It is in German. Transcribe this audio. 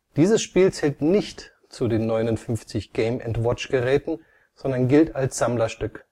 Dieses Spiel zählt nicht zu den 59 Game -&- Watch-Geräten, sondern gilt als Sammlerstück